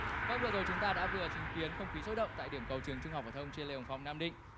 vâng vừa rồi chúng ta đã vừa chứng kiến không khí sôi động tại điểm cầu trường trung học phổ thông chuyên lê hồng phong nam định